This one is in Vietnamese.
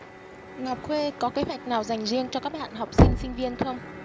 ngọc khuê có kế hoạch nào dành riêng cho các bạn học sinh sinh viên không